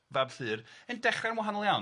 fab Llyr yn dechrau'n wahanol iawn.